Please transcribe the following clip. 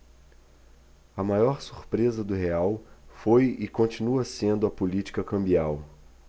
a maior surpresa do real foi e continua sendo a política cambial